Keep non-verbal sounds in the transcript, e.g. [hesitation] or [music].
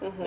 [hesitation] [hesitation]